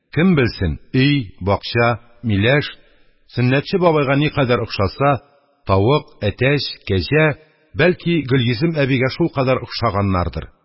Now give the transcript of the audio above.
Кем белсен, өй, бакча, миләш Сөннәтче бабайга никадәр охшаса, тавык, әтәч, кәҗә, бәлки, Гөлйөзем әбигә шулкадәр охшагандыр.